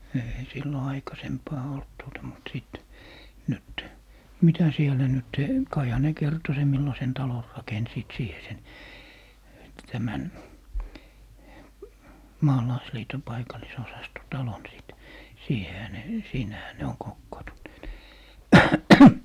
ei silloin aikaisempaan ollut tuota mutta sitten nyt mitä siellä nyt kaihan ne kertoi sen millaisen talon rakensivat siihen sen tämän maalaisliiton paikallisosaston talon sitten siihenhän ne siinähän ne on kokoontuneet